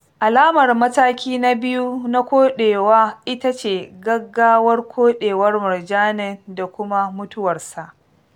Alamar mataki na biyu na koɗewa ita ce gaggawar koɗewar murjanin da kuma mutuwarsa.